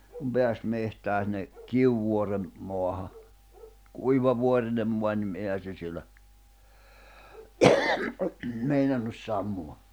kun pääsi metsään sinne Kivivuoren maahan kuiva vuorinen maa niin eihän se siellä meinannut sammua